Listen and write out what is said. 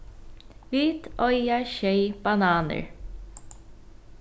vit eiga sjey bananir